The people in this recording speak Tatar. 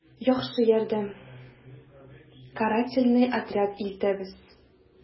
«яхшы ярдәм, карательный отряд илтәбез...»